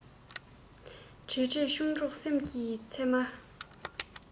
འདྲིས འདྲིས ཆུང གྲོགས སེམས ཀྱི ཚེར མ